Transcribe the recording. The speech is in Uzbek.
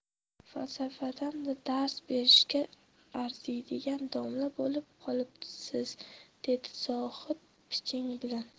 falsafadan dars berishga arziydigan domla bo'lib qolibsiz dedi zohid piching bilan